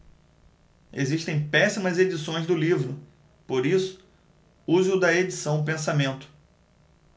existem péssimas edições do livro por isso use o da edição pensamento